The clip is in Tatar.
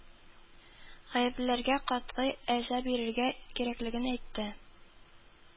Гаеплеләргә катгый әза бирергә кирәклеген әйтте